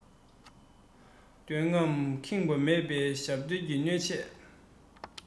འདོད རྔམས ཁེངས པ མེད པའི ཞབས བརྡོལ གྱི གནོད ཆས